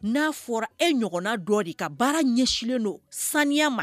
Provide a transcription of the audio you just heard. N'a fɔra e ɲɔgɔnna dɔ de ka baara ɲɛsinen don saniya ma.